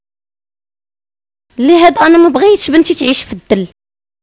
ليه انا ما بغيت بنت تعيش في الثلج